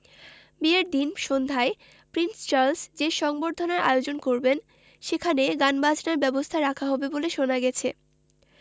বিয়ের দিন সন্ধ্যায় প্রিন্স চার্লস যে সংবর্ধনার আয়োজন করবেন সেখানে গানবাজনার ব্যবস্থা রাখা হবে বলে শোনা গেছে